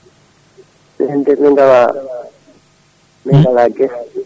minen de min gala min gala guese